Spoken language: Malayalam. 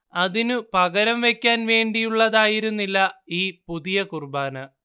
അതിനു പകരം വയ്ക്കാൻ വേണ്ടിയുള്ളതായിരുന്നില്ല ഈ പുതിയ കുർബ്ബാന